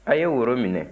a' ye woro minɛ